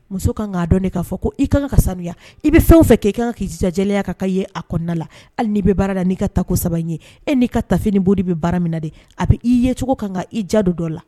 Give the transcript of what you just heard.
Muso kan k' dɔn k'a fɔ ko i kan ka sanuya i bɛ fɛn fɛ k'i kan k'ijajɛya kan ka ye a kɔnɔna la hali'i bɛ baara la n'i ka ta saba ye e n'i ka tafini bɔdi bɛ baara min de a bɛ i ye cogo kan i jadon dɔ la